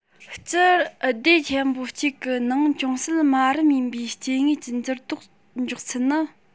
སྤྱི སྡེ ཆེན པོ གཅིག གི ནང ཅུང ཟད དམའ རིམ ཡིན པའི སྐྱེ དངོས ཀྱི འགྱུར ལྡོག མགྱོགས ཚད ནི